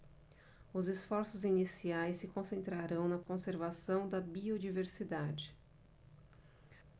os esforços iniciais se concentrarão na conservação da biodiversidade